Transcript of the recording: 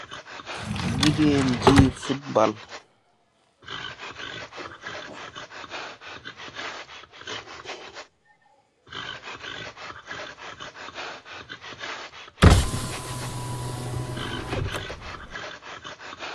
Jigeen gi fotbal